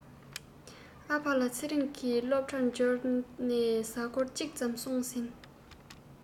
ཨ ཕ ལ ཚེ རིང སློབ གྲྭར འབྱོར ནས གཟའ འཁོར གཅིག ཙམ སོང ཟིན